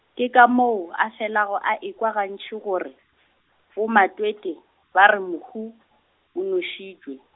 ke ka moo a felago a ekwa gantši gore , bomatwetwe ba re mohu, o nwešitšwe.